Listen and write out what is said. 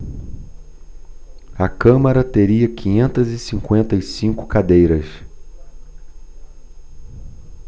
a câmara teria quinhentas e cinquenta e cinco cadeiras